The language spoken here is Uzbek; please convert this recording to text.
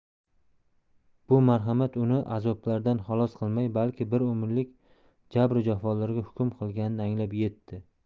bu marhamat uni azoblardan halos qilmay balki bir umrlik jabru jafolarga hukm qilganini anglab yetdi